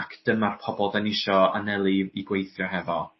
Ac dyma'r pobol 'dan ni isio aneli i gweithio hefo.